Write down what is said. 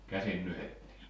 käsin nyhdettiin